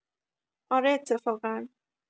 آره اتفاقا